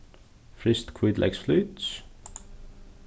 fryst hvítleyksflutes